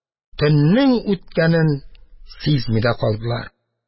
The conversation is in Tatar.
Төннең үткәнен сизми дә калдылар!..